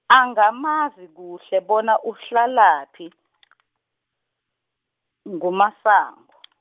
angamazi kuhle bona uhlalaphi , nguMasango.